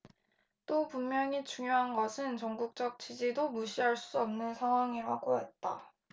또 분명히 중요한 것은 전국적 지지도 무시할 수 없는 상황이라고 했다